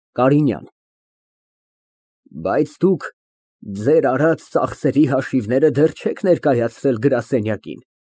ԿԱՐԻՆՅԱՆ ֊ Բայց դուք ձեր արած ծախսերի հաշիվները դեռ չեք ներկայացրել գրասենյակին։